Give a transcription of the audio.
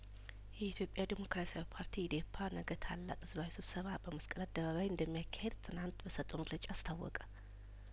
የኢትዮጵያ ዴሞክራሲያዊ ፓርቲ ኤዴፓ ነገ ታላቅ ህዝባዊ ስብሰባ በመስቀል አደባባይእንደሚ ያካሂድ ትናንት በሰጠው መግለጫ አስታወቀ